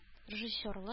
Режиссерлык